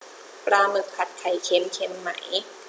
ปลาหมึกผัดไข่เค็มเค็มไหม